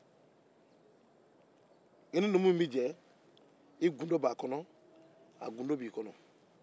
i ni numu min bɛ jɛ i gundo b'a kɔnɔ a gundo b'i kɔnɔ